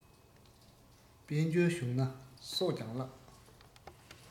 དཔལ འབྱོར བྱུང ན སྲོག ཀྱང བརླག